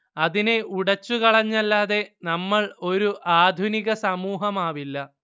അതിനെ ഉടച്ചു കളഞ്ഞല്ലാതെ നമ്മൾ ഒരു ആധുനിക സമൂഹമാവില്ല